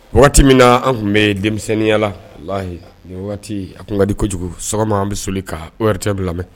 Waati min na an tun bɛ denmisɛnniya la walayi o waati a tun ka di kojugu sɔgɔma an bɛ soli ka ORTM